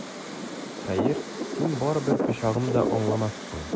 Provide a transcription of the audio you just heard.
Хәер, син барыбер пычагым да аңламассың!